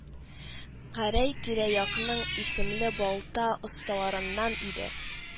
Гәрәй тирә-якның исемле балта осталарыннан иде